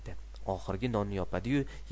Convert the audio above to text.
oxirgi nonni yopadi yu